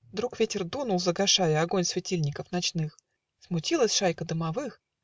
Вдруг ветер дунул, загашая Огонь светильников ночных Смутилась шайка домовых